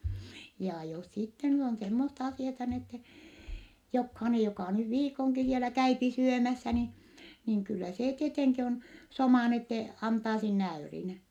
ja jos sitten nyt on semmoista asiaa niin että jokainen joka nyt viikonkin siellä käy syömässä niin niin kyllä se tietenkin on soma niin että antaa sinne äyrin